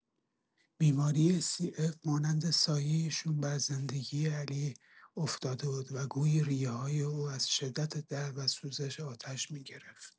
بیماری سی‌اف مانند سایه‌ای شوم بر زندگی علی افتاده بود و گویی ریه‌های او از شدت درد و سوزش آتش می‌گرفت.